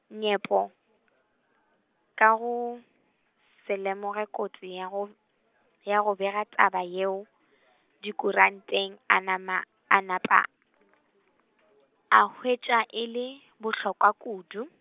Nyepo, ka go, se lemoge kotsi ya go, ya go bega taba yeo dikuranteng, a nama, a napa , a hwetša e le bohlokwa kudu.